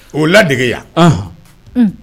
O ladege yan